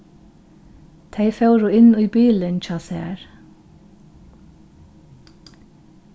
tey fóru inn í bilin hjá sær